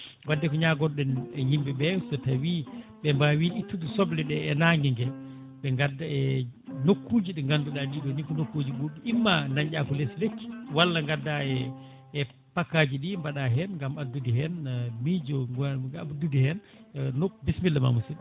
wadde ko ñagotoɗen e yimɓeɓe so tawi ɓe mbawi ittude sobleɗe e nanguegue ɓe gadda e nokkuji ɗi ganduɗa ɗi ko nokkuji ɓubɗi imma dañɗa ko less lekki walla gadda e e fakkaji ɗi mbaɗa hen gam addude hen miijo * e nokku bisimillama musidɗo